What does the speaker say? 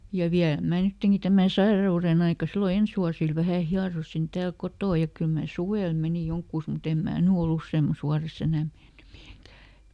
ja vielä minä nytkin tämän sairauden aika silloin ensi vuosilla vähän hieroin täällä kotona ja kyllä minä suvella menin johonkin mutta en minä nyt ole useammassa vuodessa enää mennyt mihinkään